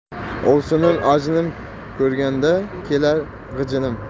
ovsinim ajinim ko'rganda kelar g'ijinim